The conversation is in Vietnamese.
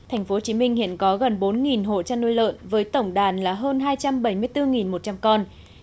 thành phố chí minh hiện có gần bốn nghìn hộ chăn nuôi lợn với tổng đàn là hơn hai trăm bảy mươi tư nghìn một trăm con